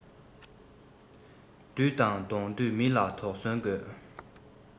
བདུད དང བསྡོངས དུས མི ལ དོགས ཟོན དགོས